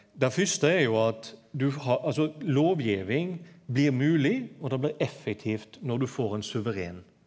det fyrste er jo at du altså lovgjeving blir mogleg og det blir effektivt når du får ein suveren.